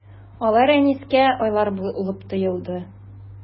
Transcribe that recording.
Алар Әнискә айлар булып тоелды.